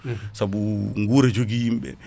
saabu guura joogui yimɓeɓe